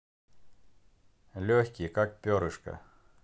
легкий как перышко